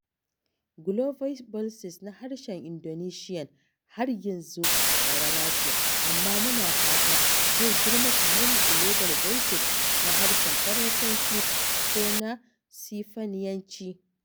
Global Voices na harshen Indonesian har yanzu ƙarama ce, amma muna fatan zai girma kamar Global Voices na harshen Faransanci ko na Sifaniyanci.